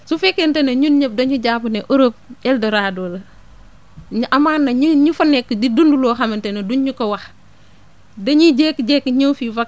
su fekkente ne ñun ñëpp dañu jàpp ne Europe eldorado la ñu amana ñu fa nekk di dund loo xamante ne duñ ñu ko wax dañuy jékki-jékki ñëw fii vac